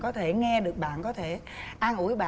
có thể nghe được bạn có thể an ủi bạn